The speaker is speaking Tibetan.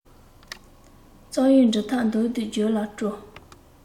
རྩོམ ཡིག འབྲི ཐབས མདོར བསྡུས བརྗོད ལ སྤྲོ